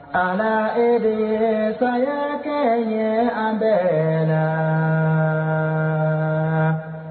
A e de son y kɛ ye an bɛ laban la